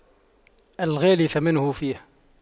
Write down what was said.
الغالي ثمنه فيه